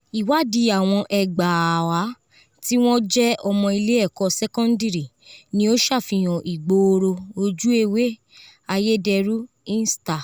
Ìwádìí àwọn 20,000 tí wọ́n jẹ́ ọmọ ilé ẹ̀kọ́ sẹ́kọ́ńdírì ni ó ṣàfihàn ìgbòòrò ojú ewé ‘’ayédèrú insta’’